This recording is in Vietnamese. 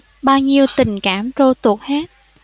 bao nhiêu tình cảm trôi tuột hết